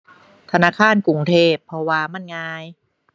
ธนาคารกรุงเทพ เพราะว่ามันง่าย